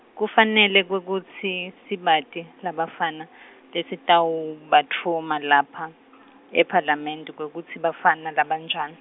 kufanele kwekutsi, sibati, labafana, lesitawubatfuma lapha, ephalamende kwekutsi bafana labanjani.